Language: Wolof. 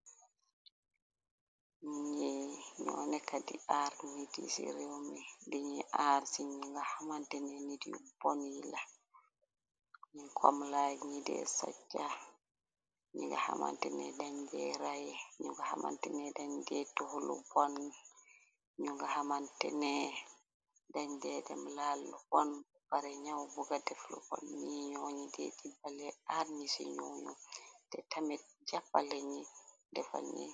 I ñoo nekka di aar nit yi ci réew mi di ñuy aar ci ñi nga xamante ne nit yu bon yi la ñi koomlaay ñi dee saccax ñi nga xamante nee dañje ray ñu nga xamante nee dañ jeetux lu bon dañ jey dem laallu pon pare ñaw bu ga deflu bon ñi ñoo ñi deeti bale aar ñi ci ñuoñu te tamit jappale ñi defal ñi.